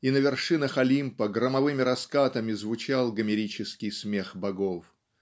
и на вершинах Олимпа громовыми раскатам) звучал гомерический смех богов.